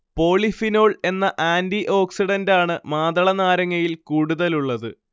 polyphenol എന്ന ആന്റിഓക്സിഡന്റാണ് മാതളനാരങ്ങയിൽ കൂടുതലുള്ളത്